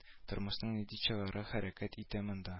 Тормышның нинди чыгыры хәрәкәт итә монда